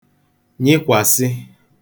nyịkwàsị